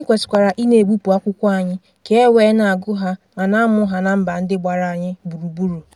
Anyị kwesịkwara ịna-ebupụ akwụkwọ anyị ka e wee na-agụ ha ma na-amụ ha ná mba ndị gbara anyị gburugburu.